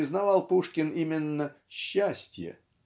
признавал Пушкин именно -- счастье.